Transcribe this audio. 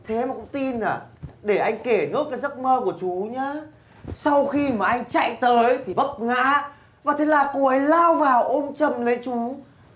thế mà cũng tin à để anh kể nốt cái giấc mơ của chú nhá sau khi mà anh chạy tới thì vấp ngã và thế là cô ấy lao vào ôm chầm lấy chú